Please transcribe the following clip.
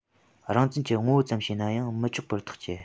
རང བཙན གྱི ངོ བོ ཙམ བྱས ན ཡང མི ཆོག པར ཐག བཅད